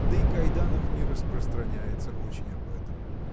да и Кайданов не распространяется очень об этом.